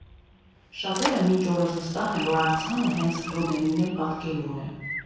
Շատերը մինչ օրս վստահ են, որ արձանը հենց Ռոդենին էլ պատկերում է։